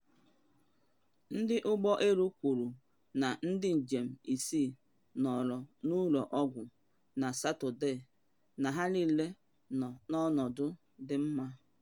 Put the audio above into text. Ndị ụgbọ elu kwuru na ndị njem isii nọrọ n’ụlọ ọgwụ na Satọde, na ha niile nọ n’ọnọdụ dị mma.